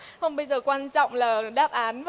không bây giờ quan trọng là đáp án